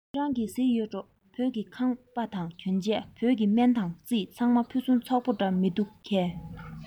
ཁྱེད རང གིས གཟིགས ཡོད འགྲོ བོད ཀྱི ཁང པ དང གྱོན ཆས བོད ཀྱི སྨན དང རྩིས ཚང མ ཕུན སུམ ཚོགས པོ འདྲས མི འདུག གས